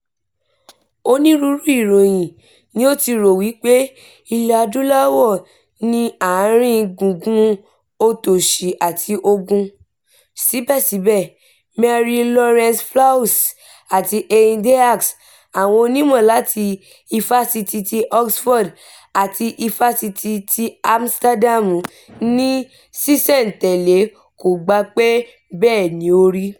Onírúurú ìròyìn ni ó ti rò ó wípé Ilẹ̀-adúláwọ̀ ni àárín-ín gbùngùn òtòṣì àti ogun, síbẹ̀síbẹ̀, Marie-Laurence Flahaux àti Hein De Haas, àwọn onímọ̀ láti Ifásitì ti Oxford àti Ifásitì ti Amsterdam, ní ṣísẹ̀ntèlé, kò gbà pé bẹ́ẹ̀ ní ó rí.